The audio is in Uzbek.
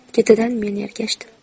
ketidan men ergashdim